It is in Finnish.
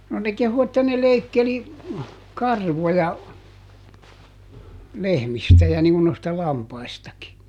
no ne kehui että ne leikkeli karvoja lehmistä ja niin kuin noista lampaistakin